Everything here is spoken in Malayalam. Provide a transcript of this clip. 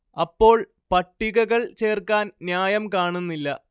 അപ്പോൾ പട്ടികകൾ ചേർക്കാൻ ന്യായം കാണുന്നില്ല